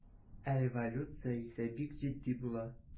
Ә эволюция исә бик җитди була.